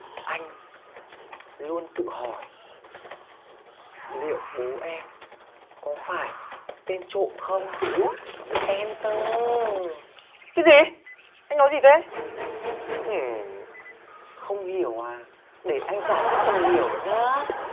anh luôn tự hỏi liệu bố em có phải tên trộm không en tơ cái gì anh nói gì thế ừm không hiểu à để anh giải thích cho mà hiểu nhá